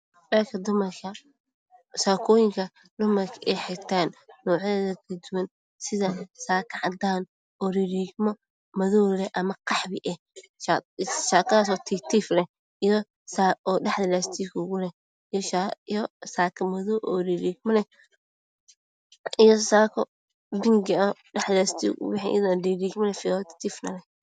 Waa dharka saakooyinka dumarka ay xirtaan nuucyadooda kala duwan sida saako cadaan oo riigriigmo madow leh ama qaxwi ah, oo dhexda laastiig ku leh iyo saako bingi ah oo dhexda laastiig ka leh.